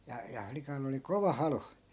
ja ja flikalla oli kova halu